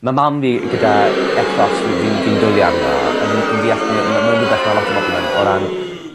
Ma' mam fi gyda ethos fi fi'n fi'n dwli arno a fi'n fi'n deall bod ma' ma'n rwbeth ma' lot o bobol yn o ran